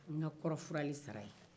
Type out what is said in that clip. o ye n'ka kɔrɔfurali sara ye